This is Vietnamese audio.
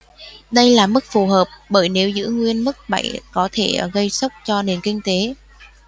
đây là mức phù hợp bởi nếu giữ nguyên mức bảy có thể gây sốc cho nền kinh tế